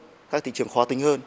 các thị trường khó tính hơn